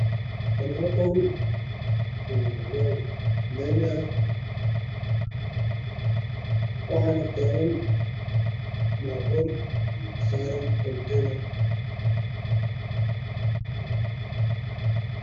Meeshaan oo meel laami ah waxaana taagan baabuur saaran coteenaro